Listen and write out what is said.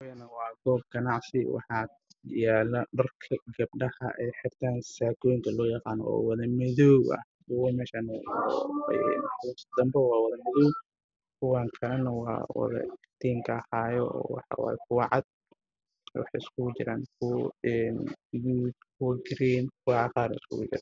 Waa meel oo dukaan ah waxaa lagu gaariga oo naagaha siisaakooyinka iyo waxyaabahaas